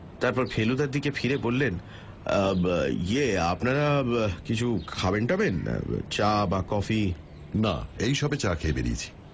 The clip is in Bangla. তারপর ফেলুদার দিকে ফিরে বললেন ইয়ে আপনারা কিছু খাবেন টাবেন চা বা কফি নাঃ এই সবে চা খেয়ে বেরিয়েছি